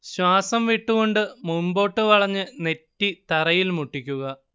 ശ്വാസം വിട്ടുകൊണ്ട് മുമ്പോട്ട് വളഞ്ഞ് നെറ്റി തറയിൽ മുട്ടിക്കുക